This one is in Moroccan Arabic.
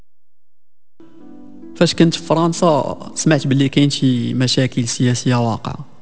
بس كنت في فرنسا وبلجيكا مشاكل سياسيه الواقع